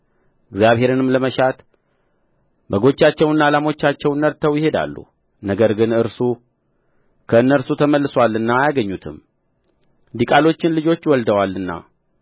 እግዚአብሔርንም ለመሻት በጎቻቸውንና ላሞቻቸውን ነድተው ይሄዳሉ ነገር ግን እርሱ ከእነርሱም ተመልሶአልና አያገኙትም ዲቃሎችን ልጆች ወልደዋልና